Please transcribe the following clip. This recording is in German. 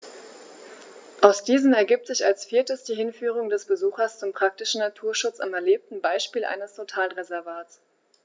Aus diesen ergibt sich als viertes die Hinführung des Besuchers zum praktischen Naturschutz am erlebten Beispiel eines Totalreservats.